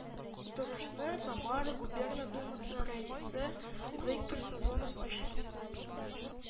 Утырышны Самара губерна Думасы рәисе Виктор Сазонов ачып җибәрде